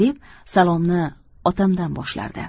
deb salomni otamdan boshlardi